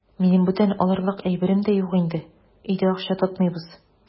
Минем бүтән алырлык әйберем дә юк инде, өйдә акча тотмыйбыз.